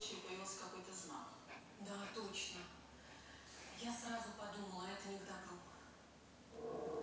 русское лото тысяча четыреста восемьдесят четвертый тираж